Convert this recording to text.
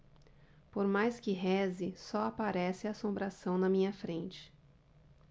por mais que reze só aparece assombração na minha frente